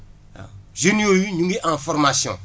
waaw jeunes yooyu énu ngi en formation